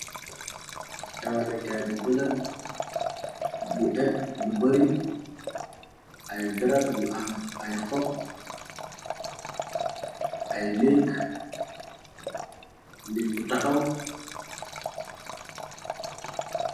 Dawanekaay bu bulo bu éb lu bari. Ay garab yu am ay hoop, ay néeg, nit ku tahaw.